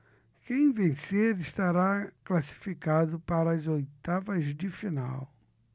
quem vencer estará classificado para as oitavas de final